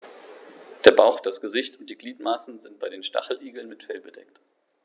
Der Bauch, das Gesicht und die Gliedmaßen sind bei den Stacheligeln mit Fell bedeckt.